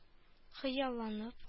Хыялланып